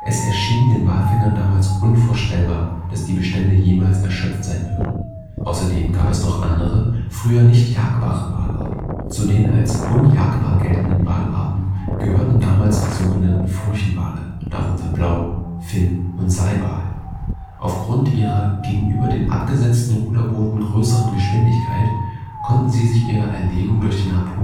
Es erschien den Walfängern damals unvorstellbar, dass die Bestände jemals erschöpft sein würden. Außerdem gab es noch andere, früher nicht jagdbare Walarten. Zu den als unjagdbar geltenden Walarten gehörten damals die so genannten Furchenwale, darunter Blau -, Finn - und Seiwal. Aufgrund ihrer gegenüber den abgesetzten Ruderbooten größeren Geschwindigkeit konnten sie sich ihrer Erlegung durch den Harpunenwerfer